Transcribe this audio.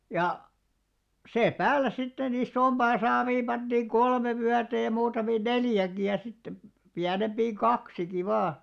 ja se päällä sitten isompaan saaviin pantiin kolme vyötä ja muutamiin neljäkin ja sitten pienempiin kaksikin vain